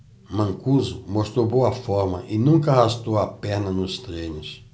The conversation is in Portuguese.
mancuso mostrou boa forma e nunca arrastou a perna nos treinos